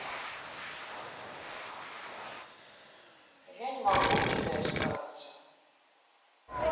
я не могу у тебя исправиться